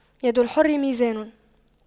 يد الحر ميزان